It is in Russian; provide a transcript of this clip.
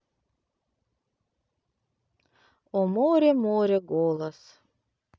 о море море голос